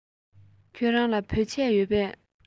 ཁྱེད རང ལ བོད ཆས ཡོད པས